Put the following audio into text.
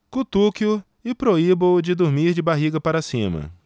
cutuque-o e proíba-o de dormir de barriga para cima